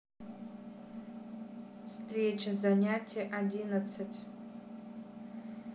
встреча занятие одиннадцать